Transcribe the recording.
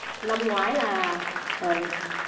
năm ngoái là ờ